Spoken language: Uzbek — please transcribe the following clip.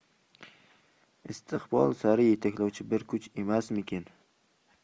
istiqbol sari yetaklovchi bir kuch emasmikin